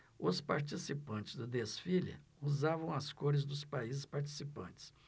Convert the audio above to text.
os participantes do desfile usavam as cores dos países participantes